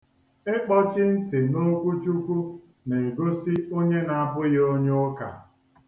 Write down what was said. Ikpọchi ntị n'okwu Chukwu na-egosi onye na-abụghị onye ụka.